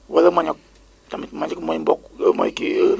wala manioc tamit manioc mooy mboq loolu mooy kii